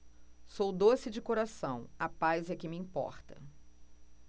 sou doce de coração a paz é que me importa